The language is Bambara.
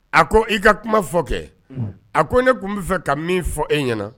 A ko i ka kuma fɔ kɛ a ko ne tun b'a fɛ ka min fɔ e ɲɛna